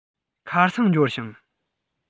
ཁ སང འབྱོར བྱུང